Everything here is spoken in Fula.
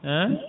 an